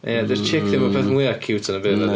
Ia, 'di'r chick ddim y peth mwya ciwt yn y byd na...?